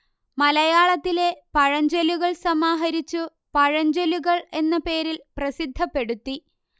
മലയാളത്തിലെ പഴഞ്ചൊല്ലുകൾ സമാഹരിച്ചു പഴഞ്ചൊല്ലുകൾ എന്ന പേരിൽ പ്രസിദ്ധപ്പെടുത്തി